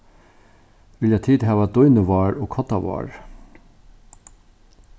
vilja tit hava dýnuvár og koddavár